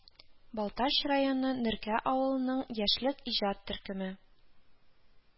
Балтач районы Нөркә авылының Яшьлек иҗат төркеме